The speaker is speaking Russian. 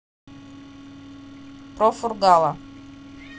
про фургала